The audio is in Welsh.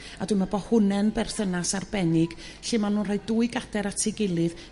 A dwi me'wl bo' hwnna'n berthynas arbennig lle ma' nhw rhoi dwy gater at 'i gilydd